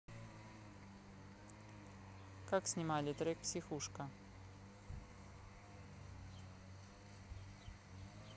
как снимали трек психушка